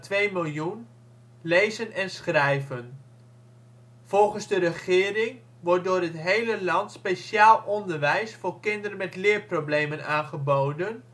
11,2 miljoen) lezen en schrijven. Volgens de regering wordt door het hele land speciaal onderwijs voor kinderen met leerproblemen aangeboden